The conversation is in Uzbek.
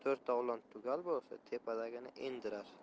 to'rtovlon tugal bo'lsa tepadagini endirar